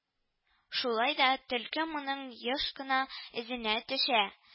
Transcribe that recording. Шулай да төлке моның еш кына эзенә төшә